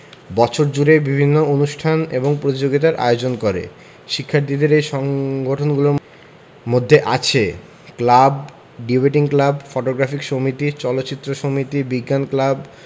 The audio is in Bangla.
বছর জুড়েই বিভিন্ন অনুষ্ঠান এবং প্রতিযোগিতার আয়োজন করে শিক্ষার্থীদের এই সংগঠনগুলির মধ্যে আছে ক্লাব ডিবেটিং ক্লাব ফটোগ্রাফিক সমিতি চলচ্চিত্র সমিতি বিজ্ঞান ক্লাব